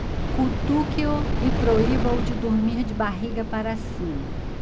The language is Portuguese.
cutuque-o e proíba-o de dormir de barriga para cima